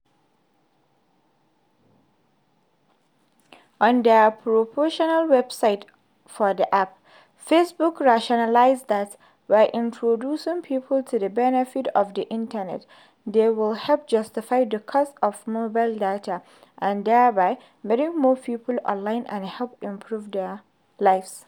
On their promotional website for the app, Facebook rationalizes that “[by] introducing people to the benefits of the internet” they will help justify the cost of mobile data and thereby “bring more people online and help improve their lives.”